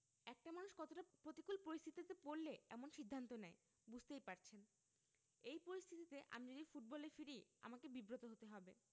একটা মানুষ কতটা প্রতিকূল পরিস্থিতিতে পড়লে এমন সিদ্ধান্ত নেয় বুঝতেই পারছেন এই পরিস্থিতিতে আমি যদি ফুটবলে ফিরি আমাকে বিব্রত হতে হবে